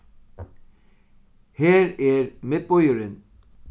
her er miðbýurin